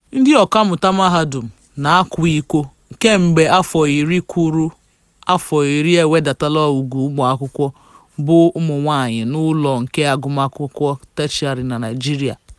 Ndị ọkammuta mahadum na-akwa iko kemgbe afọ iri kwụrụ afọ iri ewedataala ùgwù ụmụakwụkwọ bụ ụmụ nwaanyị n'ụlọọụ nke agụmakwụkwọ teshịarị na Naịjirịa.